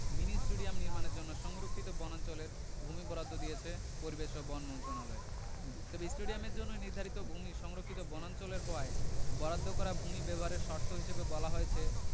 mini stadium নির্মাণের জন্য সংরক্ষিত বনাঞ্চলের ভূমি বরাদ্দ দিয়েছে পরিবেশ ও বন মন্ত্রণালয় তবে স্টেডিয়ামের জন্য নির্ধারিত ভূমি সংরক্ষিত বনাঞ্চলের হওয়ায় বরাদ্দ করা ভূমি ব্যবহারের শর্ত হিসেবে বলা হয়েছে